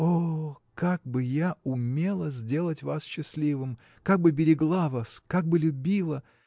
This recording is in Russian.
О, как бы я умела сделать вас счастливым! как бы берегла вас, как бы любила.